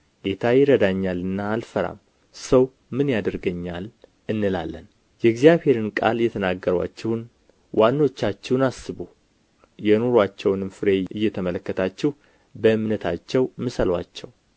ጌታ ይረዳኛልና አልፈራም ሰው ምን ያደርገኛል እንላለን የእግዚአብሔርን ቃል የተናገሩአችሁን ዋኖቻችሁን አስቡ የኑሮአቸውንም ፍሬ እየተመለከታችሁ በእምነታቸው ምሰሉአቸው